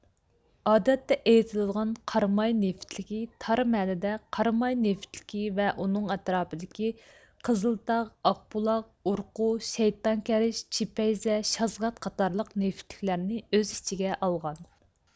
ئادەتتە ئېيتىلدىغان قاراماي نېفىتلىكى تار مەنىدە قاراماي نېفىتلىكى ۋە ئۇنىڭ ئەتراپىدىكى قىزىلتاغ ئاقبۇلاق ئۇرقۇ شەيتان كەرش چېپەيزە شازغەت قاتارلىق نېفىتلىكلەرنى ئۆز ئىچىگە ئالىدۇ